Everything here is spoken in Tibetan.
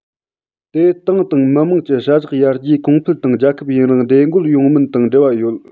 དེ ཏང དང མི དམངས ཀྱི བྱ གཞག ཡར རྒྱས གོང འཕེལ དང རྒྱལ ཁབ ཡུན རིང བདེ འགོད ཡོང མིན དང འབྲེལ བ ཡོད